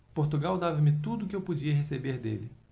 portugal dava-me tudo o que eu podia receber dele